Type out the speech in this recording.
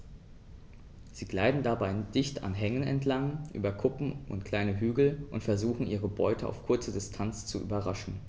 Sie gleiten dabei dicht an Hängen entlang, über Kuppen und kleine Hügel und versuchen ihre Beute auf kurze Distanz zu überraschen.